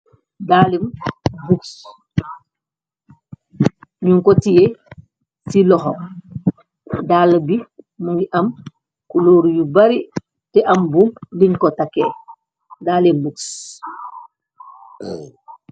Daali bucks nyun ko tiye ci loxo daal bi mongi am colur yu bari te am bum biñko take daali bucks.